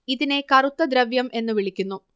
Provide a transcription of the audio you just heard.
ഇതിനെ കറുത്ത ദ്രവ്യം എന്നു വിളിക്കുന്നു